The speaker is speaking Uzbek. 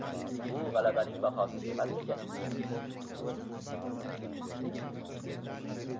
bu g'alabaning bahosi emasmikin